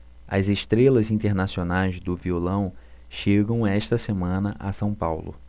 as estrelas internacionais do violão chegam esta semana a são paulo